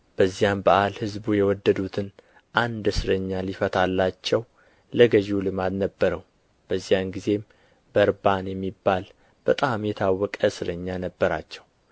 በዚያም በዓል ሕዝቡ የወደዱትን አንድ እስረኛ ሊፈታላቸው ለገዢው ልማድ ነበረው በዚያን ጊዜም በርባን የሚባል በጣም የታወቀ እስረኛ ነበራቸው